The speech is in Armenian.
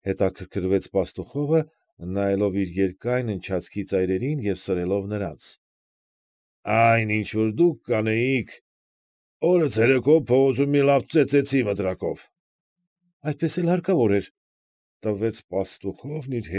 Հետաքրքրվեց Պաստուխովը, նայելով իր երկայն ընչացքի ծայրերին և սրելով նրանք։ ֊ Այն, ինչ որ դուք կանեիք. օրը ցերեկով փողոցում մի լավ ծեծեցի մտրակով։ ֊ Այդպես էլ հարկավոր էր,֊ տվեց Պաստուխովն իր։